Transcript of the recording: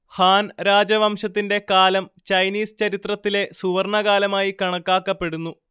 Han രാജവംശത്തിന്റെ കാലം Chinese ചരിത്രത്തിലെ സുവർണ്ണകാലമായി കണക്കാക്കപ്പെടുന്നു